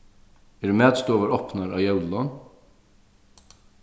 eru matstovur opnar á jólum